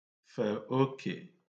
fè okè